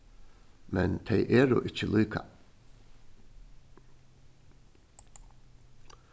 men tey eru ikki líka